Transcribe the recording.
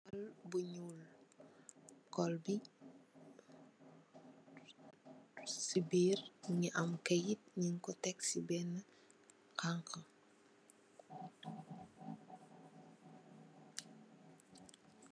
kayet bu ñuul. kul bi ci biir mungi am kayet nung ko tekk ci benn kangku.